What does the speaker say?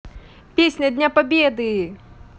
песня дня победы